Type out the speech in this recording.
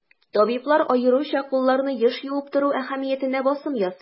Табиблар аеруча кулларны еш юып тору әһәмиятенә басым ясый.